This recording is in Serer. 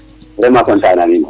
vraiment content nami